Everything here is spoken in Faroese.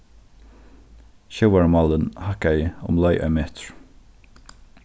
sjóvarmálin hækkaði umleið ein metur